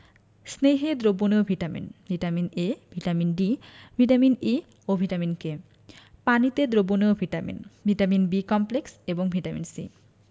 স্নেহে দ্রবণীয় vitamin vitamin A vitamin D vitamin E ও ভিটামিন কে পানিতে দ্রবণীয় ভিটামিন ভিটামিন বি কমপ্লেক্স এবং ভিটামিন সি